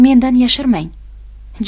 mendan yashirmang